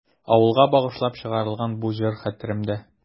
Авылга багышлап чыгарылган бу җыр хәтеремдә.